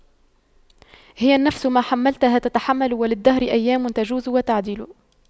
هي النفس ما حَمَّلْتَها تتحمل وللدهر أيام تجور وتَعْدِلُ